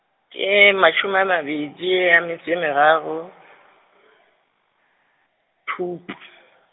ke mashome a mabedi a metso e meraro, Phupu.